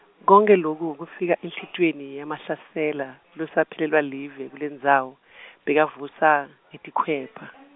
konkhe loku kufika enhlitiyweni yaMahlasela, lose aphelelwa live kulendzawo , bekavusa, ngetikhwepha .